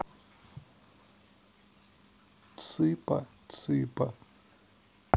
цыпа цыпа